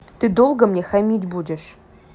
ты долго мне хамить будешь